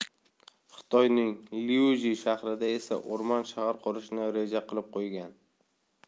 xitoyning liuju shahrida esa o'rmon shahar qurishni reja qilib qo'ygan